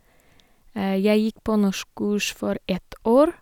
Jeg gikk på norskkurs for ett år.